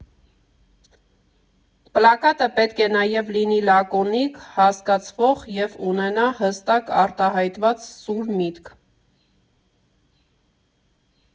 Պլակատը պետք է նաև լինի լակոնիկ, հասկացվող և ունենա հստակ արտահայտված սուր միտք։